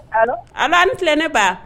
A b'an ni tilen ne ba